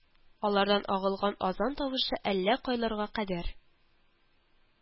Алардан агылган азан тавышы әллә кайларга кадәр